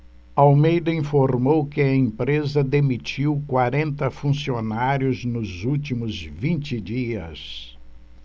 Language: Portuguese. almeida informou que a empresa demitiu quarenta funcionários nos últimos vinte dias